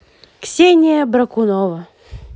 ксения бракунова